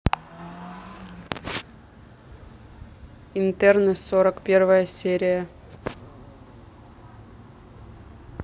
интерны сорок первая серия